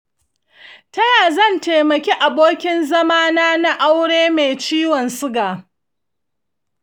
ta ya zan taimaki abokin zama na na aure mai ciwon siga?